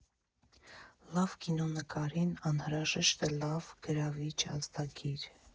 Լավ կինոնկարին անհրաժեշտ է լավ, գրավիչ ազդագիր։